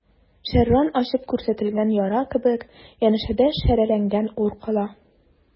Шәрран ачып күрсәтелгән яра кебек, янәшәдә шәрәләнгән ур кала.